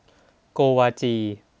โกวาจี